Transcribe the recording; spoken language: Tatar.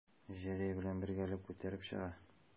Җәләй белән бергәләп күтәреп чыга.